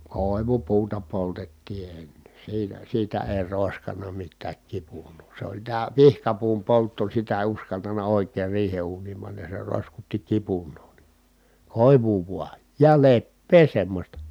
koivupuuta poltettiin ennen siinä siitä ei roiskanut mitään kipunaa se oli tämä pihkapuun poltto sitä ei uskaltanut oikein riihen uuniin panna ja se roiskutti kipunaa niin koivua vain ja leppää semmoista